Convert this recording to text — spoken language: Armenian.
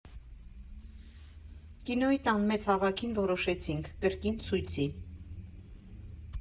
Կինոյի տան մեծ հավաքին որոշեցինք՝ կրկին ցույցի։